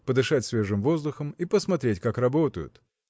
подышать свежим воздухом и посмотреть как работают.